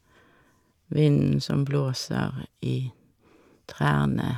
Vinden som blåser i trærne.